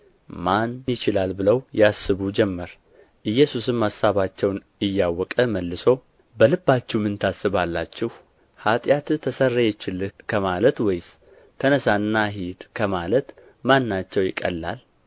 ማን ይችላል ብለው ያስቡ ጀመር ኢየሱስም አሳባቸውን እያወቀ መልሶ በልባችሁ ምን ታስባላችሁ ኃጢአትህ ተሰረየችልህ ከማለት ወይስ ተነሣና ሂድ ከማለት ማናቸው ይቀላል